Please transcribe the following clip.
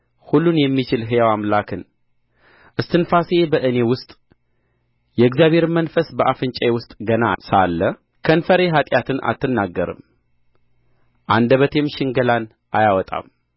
ሁሉን የሚችል ሕያው አምላክን እስትንፋሴ በእኔ ውስጥ የእግዚአብሔርም መንፈስ በአፍንጫዬ ውስጥ ገና ሳለ ከንፈሬ ኃጢአትን አትናገርም አንደበቴም ሽንገላን አያወጣም